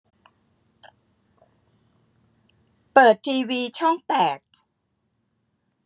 เปิดทีวีช่องแปด